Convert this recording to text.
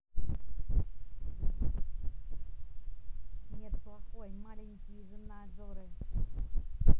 нет плохой маленький жена жоры